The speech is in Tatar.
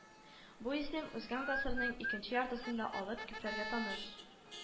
Бу исем узган гасырның икенче яртысында алып күпләргә таныш